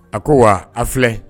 A ko a filɛ